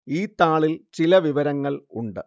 ഈ താളില്‍ ചില വിവരങ്ങള് ഉണ്ട്